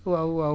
waaw waaw